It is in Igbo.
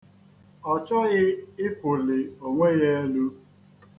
Ọ chọghị ịfụli onwe ya elu.